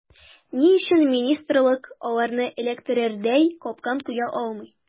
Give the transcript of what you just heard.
Ни өчен министрлык аларны эләктерердәй “капкан” куя алмый.